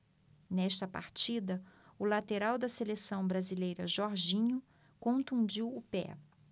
nesta partida o lateral da seleção brasileira jorginho contundiu o pé